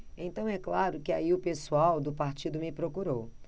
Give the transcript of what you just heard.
então é claro que aí o pessoal do partido me procurou